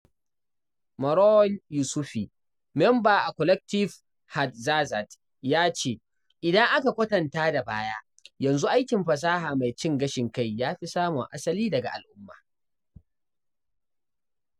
Marouane Youssoufi, mamba a Collectif Hardzazat ya ce, ''Idan aka kwatanta da baya, yanzu aikin fasaha mai cin gashi kai ya fi samun asali daga al'umma''.